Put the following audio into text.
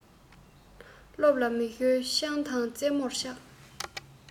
སློབ ལ མི ཞོལ ཆང དང རྩེད མོར ཆགས